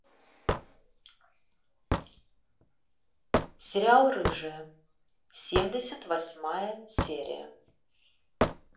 сериал рыжая семьдесят восьмая серия